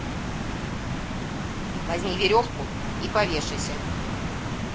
возьми веревку и повешайся